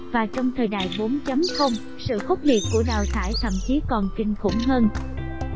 và trong thời đại sự khốc liệt của đào thải thậm chí còn kinh khủng hơn